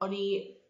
o'n i